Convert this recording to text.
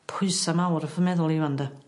Pwysa mawr off 'yn meddwl i 'wan 'de.